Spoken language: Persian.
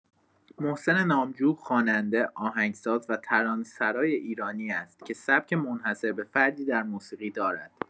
محسن نامجو خواننده، آهنگساز و ترانه‌سرای ایرانی است که سبک منحصربه‌فردی در موسیقی دارد.